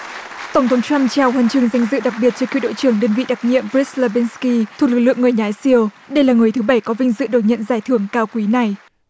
tổng thống troăm trao huân chương danh dự đặc biệt cho cựu đội trưởng đơn vị đặc nhiệm quýt lơ bơn ki thuộc lực lượng người nhái siêu đây là người thứ bảy có vinh dự được nhận giải thưởng cao quý này